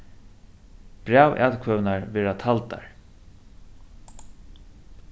brævatkvøðurnar verða taldar